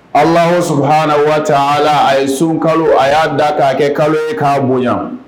Ala o su hra waa a a ye sun kalo a y'a da k'a kɛ kalo ye k'a bonya